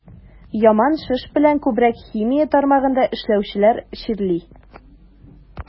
Яман шеш белән күбрәк химия тармагында эшләүчеләр чирли.